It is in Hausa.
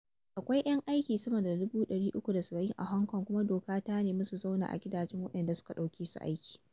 Akwai 'yan aiki sama da 370,000 a Hong Kong kuma doka ta nemi su zauna a gidajen waɗanda suka ɗauke su aiki.